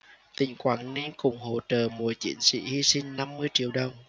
tỉnh quảng ninh cũng hỗ trợ mỗi chiến sĩ hi sinh năm mươi triệu đồng